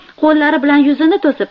qo'llari bilan yuzini to'sib